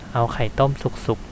เอาไข่ต้มสุกสุก